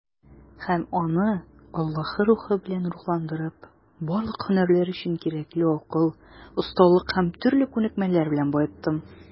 Һәм аны, Аллаһы Рухы белән рухландырып, барлык һөнәрләр өчен кирәкле акыл, осталык һәм төрле күнекмәләр белән баеттым.